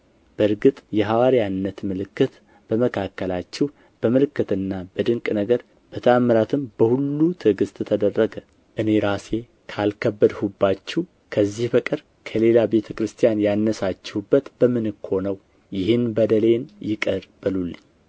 በእርግጥ የሐዋርያነት ምልክት በመካከላችሁ በምልክትና በድንቅ ነገር በተአምራትም በሁሉ ትዕግሥት ተደረገ እኔ ራሴ ካልከበድሁባችሁ ከዚህ በቀር ከሌላ ቤተ ክርስቲያን ያነሳችሁበት በምን እኮ ነው ይህን በደሌን ይቅር በሉልኝ